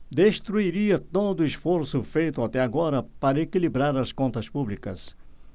destruiria todo esforço feito até agora para equilibrar as contas públicas